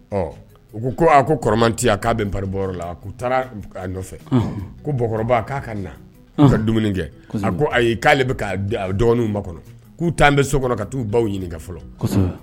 U ko a ko kɔrɔma tɛ k'a bɛn pan bɔ la k' taara nɔfɛ kokɔrɔba k'a ka na ka dumuni kɛ a ko ayi k'ale dɔgɔninw ma kɔnɔ k'u taa bɛ so kɔnɔ ka taa u baw ɲini fɔlɔ